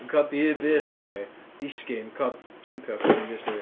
yn codi un bys arna fi, disgyn, cod-, jympio, codi un fys arna fi.